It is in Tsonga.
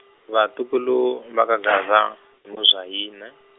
vatukulu va ka Gaza, hi Muzwayine.